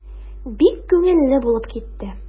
Бик күңелле булып китте.